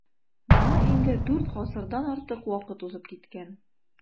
Моңа инде дүрт гасырдан артык вакыт узып киткән.